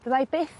Fyddai byth